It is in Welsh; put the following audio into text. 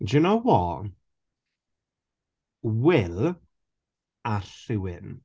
Do you know what? Will a rhywun.